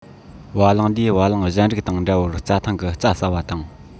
བ གླང འདིས བ གླང གཞན རིགས དང འདྲ བར རྩྭ ཐང གི རྩྭ ཟ བ དང